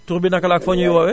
tur bi naka la ak foo ñuy woowee